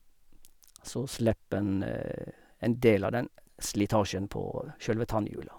Så slipper en en del av den slitasjen på sjølve tannhjula.